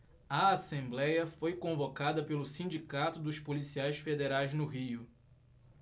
a assembléia foi convocada pelo sindicato dos policiais federais no rio